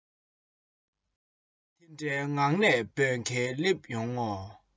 དེ འདྲའི ངང ནས འབོད མཁན སླེབས ཡོང ངོ